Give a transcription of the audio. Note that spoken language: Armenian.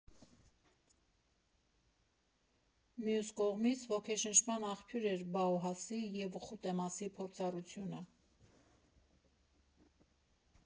Մյուս կողմից՝ ոգեշնչման աղբյուր էր Բաուհաուսի և Վխուտեմասի փորձառությունը։